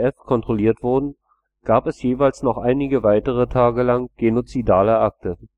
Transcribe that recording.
kontrolliert wurden, gab es jeweils noch einige weitere Tage lang genozidale Akte